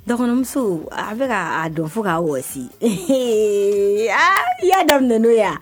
Damuso a bɛka kaa dɔn fo k'a wa aa i y'a daminɛ n' yan